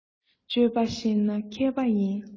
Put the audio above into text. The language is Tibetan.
སྤྱོད པ ཤེས ན མཁས པ ཡིན